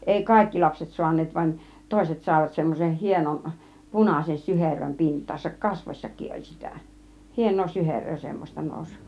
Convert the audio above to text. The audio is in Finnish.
ei kaikki lapset saaneet vaan toiset saivat semmoisen hienon punaisen syherön pintaansa kasvoissakin oli sitä hienoa syheröä semmoista nousi